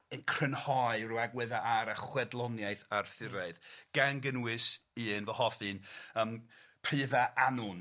yn crynhoi ryw agwedda' ar y chwedloniaeth Arthuraidd gan gynnwys un fy hoff un yym Prydda Annwn.